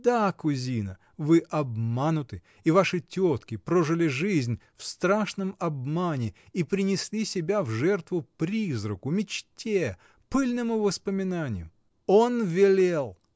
— Да, кузина: вы обмануты, и ваши тетки прожили жизнь в страшном обмане и принесли себя в жертву призраку, мечте, пыльному воспоминанию. Он велел!